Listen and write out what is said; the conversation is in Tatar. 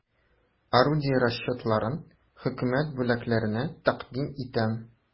Орудие расчетларын хөкүмәт бүләкләренә тәкъдим итәм.